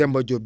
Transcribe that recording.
Demba Diop